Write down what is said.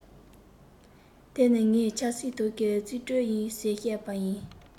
དེ ནི ངའི ཆབ སྲིད ཐོག གི རྩིས སྤྲོད ཡིན ཟེར བཤད པ ཡིན